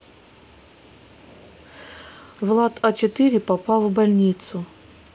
влад а четыре попал в больницу